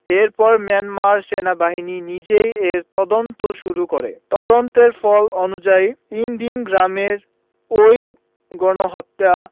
এরপর মিয়ানমার সেনাবাহিনী নিজেই এর তদন্ত শুরু করে তদন্তের ফল অনুযায়ী ইনদিন গ্রামের ওই গণহত্যা